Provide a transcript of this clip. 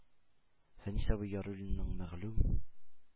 Фәнис абый Яруллинның мәгълүм